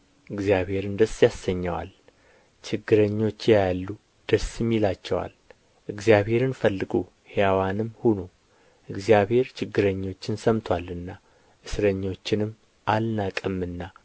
እግዚአብሔርን ደስ ያሰኘዋል ችግረኞች ያያሉ ደስ ይላቸዋል እግዚአብሔርን ፈልጉ ሕያዋንም ሁኑ እግዚአብሔር ችግረኞችን ሰምቶአልና እስረኞቹንም አልናቀምና